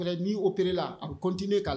Kɛlɛ n'' o kɛra la a kɔnten k' la